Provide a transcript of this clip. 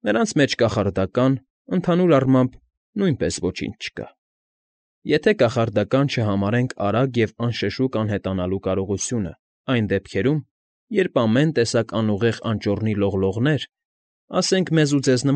Նրանց մեջ կախարդական, ընդհանուր առմամբ, նույնպես ոչինչ չկա, եթե կախարդական չհամարենք արագ և անշշուկ անհետանալու կարողությունը այն դեպքում, երբ ամեն տեսակ անուղեղ անճոռնի լողլողներ, ասենք մեզ ու ձեզ։